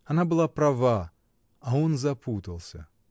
Она была права, а он запутался.